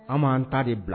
An'an ta de bila